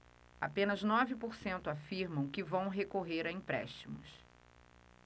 apenas nove por cento afirmam que vão recorrer a empréstimos